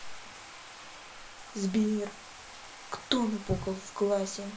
сбер кто напукал в классе